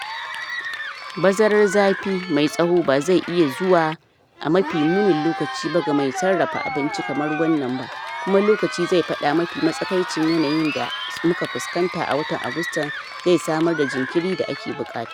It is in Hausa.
Bazarar zafi mai tsawo ba zai iya zuwa a mafi munin lokaci ba ga masu sarrafa abinci kamar wannan ba kuma lokaci zai fada mafi matsakaicin yanayin da muka fuskanta a watan Agustan zai samar da jinkirin da ake bukata. "